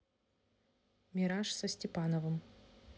мираж со степановым